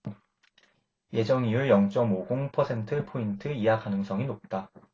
예정이율 영 쩜 오 공 퍼센트포인트 인하 가능성이 높다